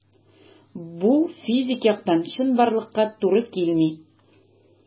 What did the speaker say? Бу физик яктан чынбарлыкка туры килми.